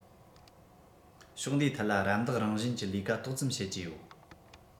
ཕྱོགས འདིའི ཐད ལ རམ འདེགས རང བཞིན གྱི ལས ཀ ཏོག ཙམ བྱེད ཀྱི ཡོད